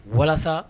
Walasa